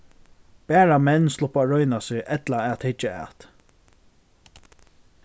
bara menn sluppu at royna seg ella at hyggja at